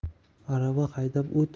arava haydab o't